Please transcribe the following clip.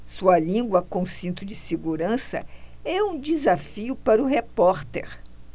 sua língua com cinto de segurança é um desafio para o repórter